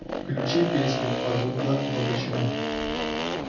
включи песню агунда но почему